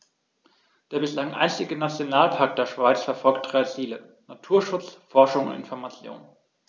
Der bislang einzige Nationalpark der Schweiz verfolgt drei Ziele: Naturschutz, Forschung und Information.